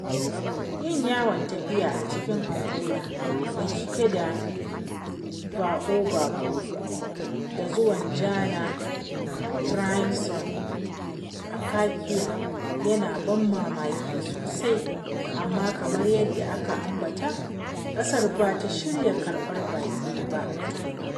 Yin yawon tafiya a cikin Angola mai cike da baobab da ruwan ja na Crimson Acacia yana da ban mamaki sosai, amma kamar yadda aka ambata, ƙasar ba ta shirya karɓar baƙi ba tukuna.